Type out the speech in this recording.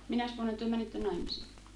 minäs vuonna te menitte naimisiin